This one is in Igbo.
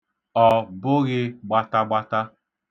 Ọ bụghị gbatagbata.